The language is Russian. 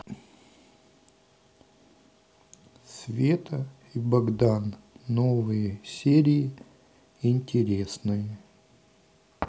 света и богдан новые серии интересные